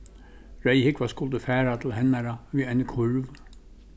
reyðhúgva skuldi fara til hennara við eini kurv